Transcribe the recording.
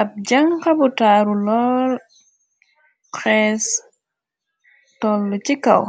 Ab jàn xabutaaru loo xees toll ci kaw